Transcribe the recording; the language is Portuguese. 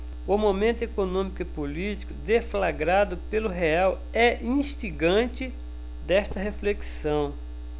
o momento econômico e político deflagrado pelo real é instigante desta reflexão